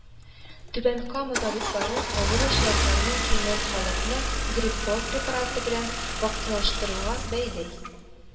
Түбән Кама табиблары авыру очракларының кимүен халыкны “Гриппол” препараты белән вакциналаштыруга бәйли